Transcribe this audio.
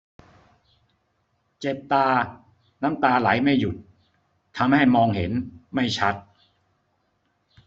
เจ็บตาน้ำตาไหลไม่หยุดทำให้มองเห็นไม่ชัด